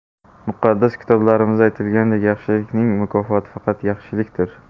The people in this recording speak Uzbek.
muqaddas kitoblarimizda aytilganidek yaxshilikning mukofoti faqat yaxshilikdir